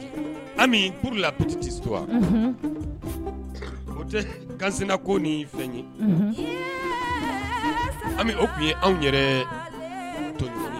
Anla ptiti to o gansina ko ni fɛn ye o ye anw yɛrɛ